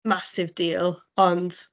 massive deal, ond...